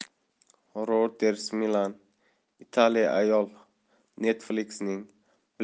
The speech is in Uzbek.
reutersmilan italiyaayol netflix'ning black